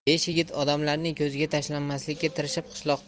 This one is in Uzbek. besh yigit odamlarning ko'ziga tashlanmaslikka tirishib qishloqdan